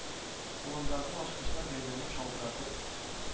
Кулындагы ачкычлар бәйләмен шалтыратып,